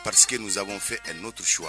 Parce que nous avons fait un autre choix